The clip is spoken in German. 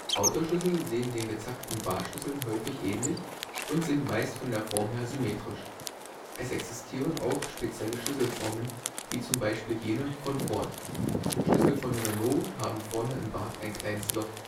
Autoschlüssel sehen den gezackten Bartschlüsseln häufig ähnlich und sind meist von der Form her symmetrisch. Es existieren auch spezielle Schlüsselformen, wie zum Beispiel jene von Ford. Schlüssel von Renault haben vorne im Bart ein kleines Loch